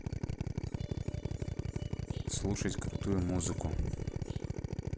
слушать крутую музыку